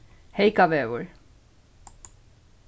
heykavegur